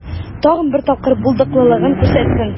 Тагын бер тапкыр булдыклылыгын күрсәтсен.